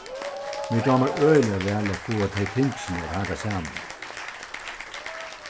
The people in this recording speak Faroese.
mær dámar øgiliga væl at fáa tey tingini at hanga saman